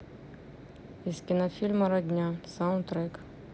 из кинофильма родня саундтрек